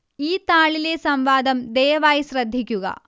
ഈ താളിലെ സംവാദം ദയവായി ശ്രദ്ധിക്കുക